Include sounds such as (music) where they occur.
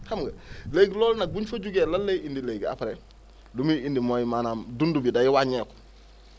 xam nga (breath) léegi loolu nag bu ñu fa jugee lan lay indi léegi après lu muy indi mooy maanaam dunf gi day wàññeeku